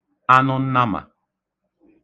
anụnnamà